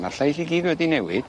Ma'r lleill i gyd wedi newid.